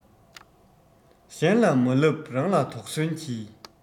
གཞན ལ མ ལབ རང ལ དོགས ཟོན གྱིས